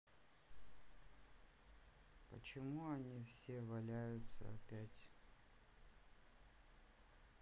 почему они все валяются опять